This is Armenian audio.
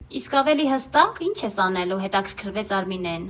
֊ Իսկ ավելի հստա՞կ, ի՞նչ ես անելու, ֊ հետաքրքրվեց Արմինեն։